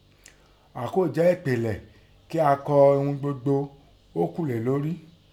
Àọ́kọ́ jẹ́ ẹ̀pilẹ̀ kín a kọ́ ihun gbogbo ó kù lé lórí.